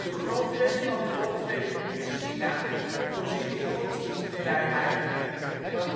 grondwet van de Volksrepubliek China voorziet in godsdienstvrijheid, maar godsdienstbeoefening